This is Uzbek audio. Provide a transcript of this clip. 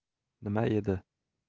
nima edi